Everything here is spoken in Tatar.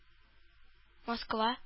Москва